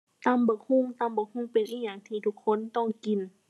ตำบักหุ่ง ตำบักหุ่งเป็นอิหยังที่ทุกคนต้องกิน